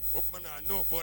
O tuma na n'oɔr